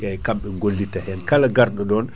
eyyi kamɓe gollitta hen kala garɗo ɗon